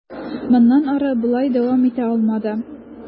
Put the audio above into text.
Моннан ары болай дәвам итә алмады.